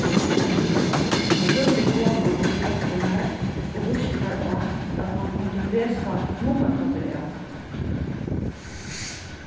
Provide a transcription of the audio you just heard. ein lívlig kona vildi hjálpa mær og vísti mær á at mann kundi lesa nummarplátur av